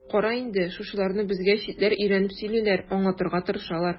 Кара инде, шушыларны безгә читләр өйрәнеп сөйлиләр, аңлатырга тырышалар.